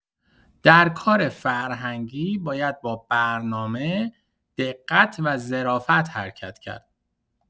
در کار فرهنگی باید با برنامه، دقت و ظرافت حرکت کرد.